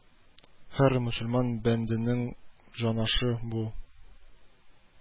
Һәр мөселман бәндәнең җанашы бу